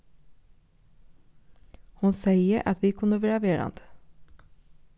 hon segði at vit kunnu verða verandi